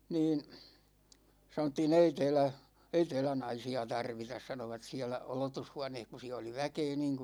niin sanottiin ei täällä ei täällä naisia tarvita sanoivat siellä odotushuoneessa kun siellä oli väkeä niin kuin